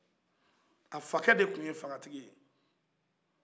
a fakɛ de tun ye fangatigi ye